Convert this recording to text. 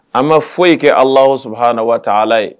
An ma foyi' kɛ ala sabaha na waa taa ala ye